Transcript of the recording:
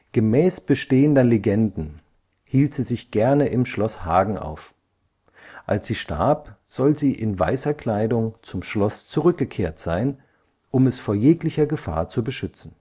Gemäß bestehender Legenden hielt sie sich gerne im Schloss Hagen auf. Als sie starb, soll sie in weißer Kleidung zum Schloss zurückgekehrt sein, um es vor jeglicher Gefahr zu beschützen